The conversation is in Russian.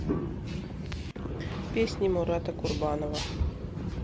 песни мурата курбанова